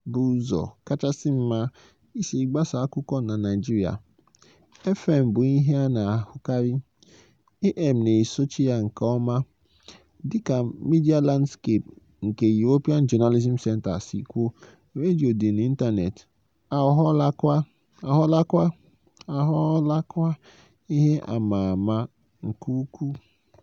Redio ka bụ ụzọ kachasị mma isi gbasaa akụkọ na Naịjirịa. FM (frequency modulation) bụ ihe a na-ahụkarị, AM (amplitude modulation) na-esochi ya nke ọma, dịka Media Landscape nke European Journalism Centre si kwuo - redio dị n'ịntaneetị aghọọlakwa ihe a ma ama nke ukwuu.